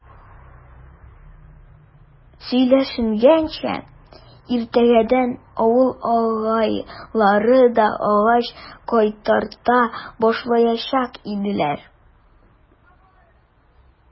Сөйләшенгәнчә, иртәгәдән авыл агайлары да агач кайтарта башлаячак иделәр.